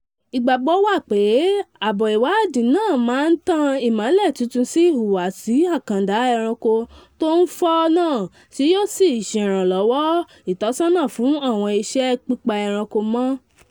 Ìgbàgbọ́ wà pé àbọ̀ ìwádìí náà máa tan ìmọ́lẹ̀ tuntun sí ìhùwàsí àkàndá ẹranko tó ń fò náà tí yóò sì ṣèrànwọ́ ìtasọ́nà fún àwọn iṣẹ́ pípa ẹ̀rankọ̀ mọ́.